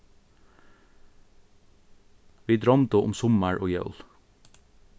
vit droymdu um summar og jól